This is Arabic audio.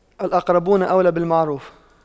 الأقربون أولى بالمعروف